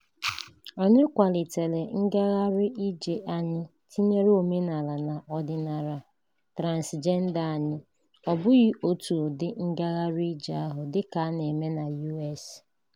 Anyị kwalitere ngagharị ije anyị tinyere omenala na ọdịnala KhawajaSara (transịjenda) anyị, ọ bụghị otu ụdị ngagharị ije ahụ dịka a na-eme na US.